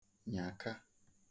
nyàka